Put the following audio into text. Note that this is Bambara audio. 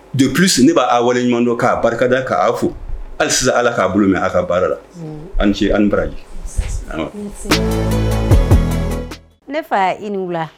Don psi ne b'a wale ɲɔgɔn don k'a barikada' a fo hali sisan ala k'a bolo mɛn aw ka baara la ani ce an baraji ne fa i ni wula